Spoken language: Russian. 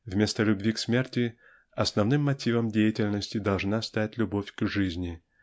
Вместо любви к смерти основным мотивом деятельности должна стать любовь к жизни